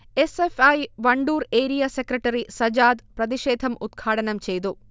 S. F. I. Vandoor area secretary Sajad പ്രതിഷേധം ഉദ്ഘാടനം ചെയ്തു